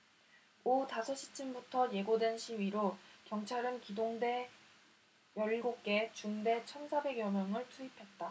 오후 다섯 시쯤부터 예고된 시위로 경찰은 기동대 열 일곱 개 중대 천 사백 여 명을 투입했다